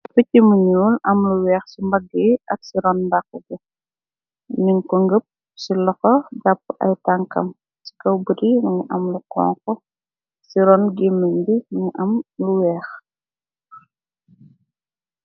Pichi muñyuul am lu weex ci mbagga yi ak ci ron mdaqu bi nin ko ngëpp ci loxo jàpp ay tankam ci kaw buri ningi amla konxo ci ron gimin gi mingi am lu weex.